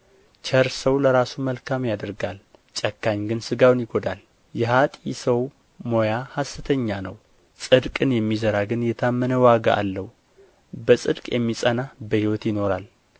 ቸር ሰው ለራሱ መልካም ያደርጋል ጨካኝ ግን ሥጋውን ይጐዳል የኀጥእ ሰው ሞያ ሐሰተኛ ነው ጽድቅን የሚዘራ ግን የታመነ ዋጋ አለው በጽድቅ የሚጸና በሕይወት ይኖራል